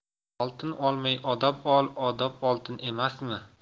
oltin olmay odob ol odob oltin emasmi